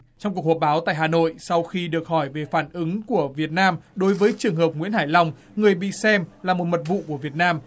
trong cuộc họp báo tại hà nội sau khi được hỏi về phản ứng của việt nam đối với trường hợp nguyễn hải long người bị xem là một mật vụ của việt nam